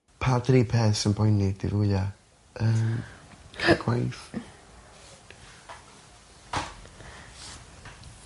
Pa dri peth sy'n poeni di fwya. Yy yn ca'l gwaith.